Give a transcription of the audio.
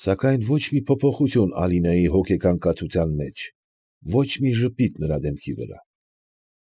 Սակայն ոչ մի փոփոխություն Ալինայի հոգեկան կացության մեջ, ոչ մի ժպիտ նրա դեմքի վրա։